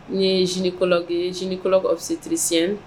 N ye z z kɔlɔlɔtirisiyɛn